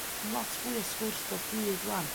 yn lot fwy o sgwrs bob dydd 'wan.